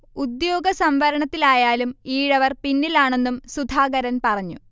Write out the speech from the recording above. ഉദ്യോഗ സംവരണത്തിലായാലും ഈഴവർ പിന്നിലാണെന്നും സുധാകരൻ പറഞ്ഞു